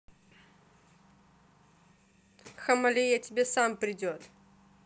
hammali я тебе сам придет